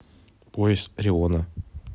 пояс ориона